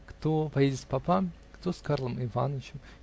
кто поедет с папа, кто с Карлом Иванычем?